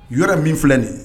Yɔrɔ min filɛ nin ye